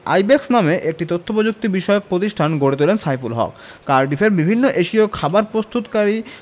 আইব্যাকস নামে একটি তথ্যপ্রযুক্তিবিষয়ক প্রতিষ্ঠান গড়ে তোলেন সাইফুল হক কার্ডিফের বিভিন্ন এশীয় খাবার প্রস্তুতকারী